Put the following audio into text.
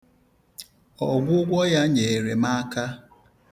Ọgwụgwọ ya nyere m aka.